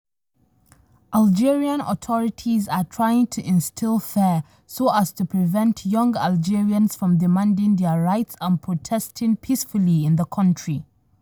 “Algerian authorities are trying to instill fear so as to prevent young Algerians from demanding their rights and protesting peacefully in the country.